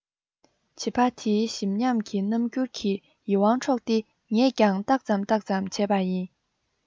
བྱིས པ དེའི ཞིམ ཉམས ཀྱི རྣམ འགྱུར གྱིས ཡིད དབང འཕྲོག སྟེ ངས ཀྱང ལྡག ཙམ ལྡག ཙམ བྱས པ ཡིན